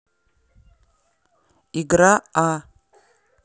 игра а